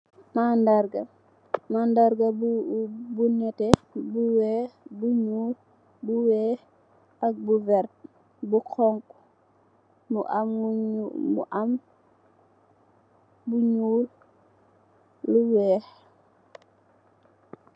Mandarga bou weck bou nyull ak bou weck am lou konku lou nyull ak lou weck